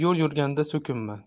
yo'l yurganda so'kinma